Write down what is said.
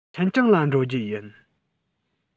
ཤིན ཅང ལ འགྲོ རྒྱུ ཡིན